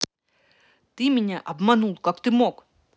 ты меня обманул как ты мог